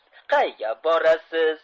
qayga borasiz